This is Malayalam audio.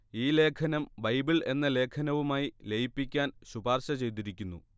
ഈ ലേഖനം ബൈബിൾ എന്ന ലേഖനവുമായി ലയിപ്പിക്കാൻ ശുപാർശ ചെയ്തിരിക്കുന്നു